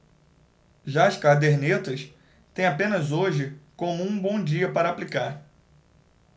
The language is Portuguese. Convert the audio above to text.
já as cadernetas têm apenas hoje como um bom dia para aplicar